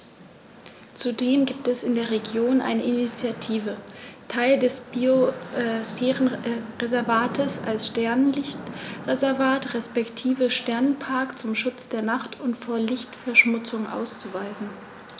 Zudem gibt es in der Region eine Initiative, Teile des Biosphärenreservats als Sternenlicht-Reservat respektive Sternenpark zum Schutz der Nacht und vor Lichtverschmutzung auszuweisen.